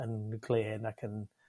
yn glen ac yn